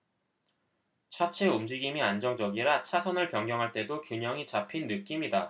차체 움직임이 안정적이라 차선을 변경할 때도 균형이 잡힌 느낌이다